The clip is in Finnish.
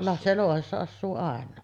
- se louhessa asuu aina